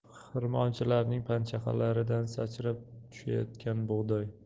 xirmonchilarning panshaxalaridan sachrab tushayotgan bug'doy